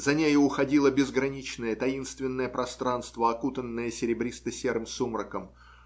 за нею уходило безграничное таинственное пространство, окутанное серебристо-серым сумраком.